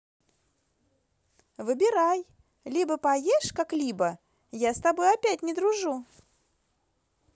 выбирай либо поешь как либо я с тобой опять не дружу